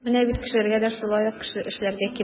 Менә бит кешеләргә дә шулай ук эшләргә кирәк.